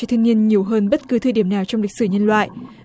thiên nhiên nhiều hơn bất cứ thời điểm nào trong lịch sử nhân loại